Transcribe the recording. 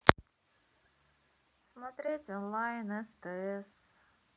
смотреть онлайн стс